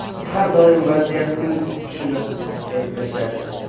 odamlar har doim vaziyatning kuchini ayblashadi